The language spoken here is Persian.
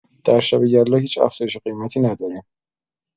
در شب یلدا هیچ افزایش قیمتی نداریم.